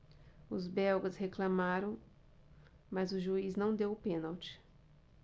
os belgas reclamaram mas o juiz não deu o pênalti